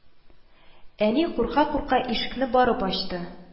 Әни, курка-курка, ишекне барып ачты